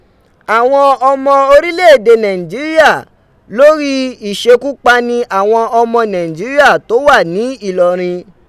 Àwọn ọmọ orilẹ ede Naijiria lori isekupani awọn ọmọ Naijiria to wa ni Ilọrin.